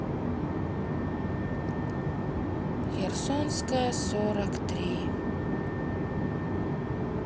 херсонская сорок три